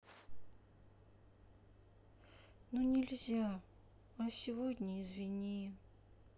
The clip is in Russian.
ну нельзя а сегодня извини